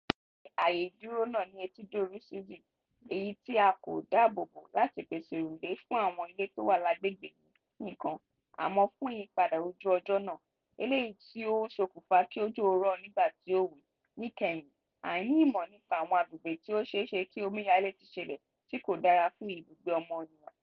Níbi ààyè ìdúró náà ni etídò Rusizi èyí tí a kò dáàbò bò lati pèsè òrùlé fún àwọn ilé tó wà lágbègbè yìí nìkan; àmọ́ fún ìyípadà ojú ọjọ́ náà, eléyìí tí ó ń ṣokùnfà kí òjò rọ̀ nígbà tó wùú, níkẹyìn, àìní ìmọ̀ nípa àwọn àgbègbè tí ó ṣeé ṣe kí omíyalé ti ṣẹlẹ̀ tí kò dára fún ibùgbé ọmọniyàn.